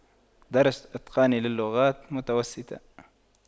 درجة إتقاني للغات متوسطة